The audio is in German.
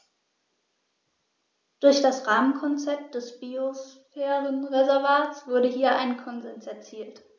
Durch das Rahmenkonzept des Biosphärenreservates wurde hier ein Konsens erzielt.